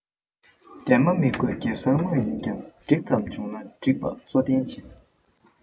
འདན མ མི དགོས གེ སར དངོས ཡིན ཀྱང འགྲིག ཙམ བྱུང ན འགྲིགས པ གཙོ དོན ཆེ